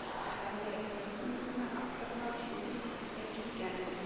Хәле рейтингны авторлары шундый фикергә килгән